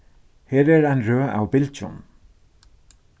her er ein røð av bylgjum